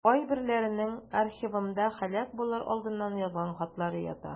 Кайберләренең архивымда һәлак булыр алдыннан язган хатлары ята.